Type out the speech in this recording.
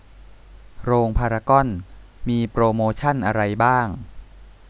โรงพารากอนมีโปรโมชันอะไรบ้าง